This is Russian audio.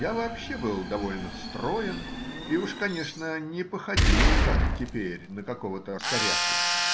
Я вообще был довольно строен и, уж конечно, не походил, как теперь, на какого-то раскоряку.